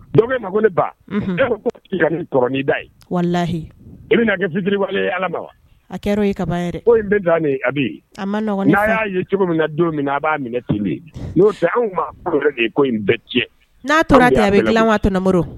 Dɔw bɛ mago ba da i bɛnatiri ala ma a kɛra ye ko bɛ a an ma'a y'a ye cogo min na don min a b'a minɛ'o anw ma ko bɛ jɛ n'a tora ta a bɛtmuru